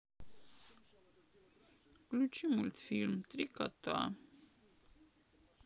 включи мультфильм три кота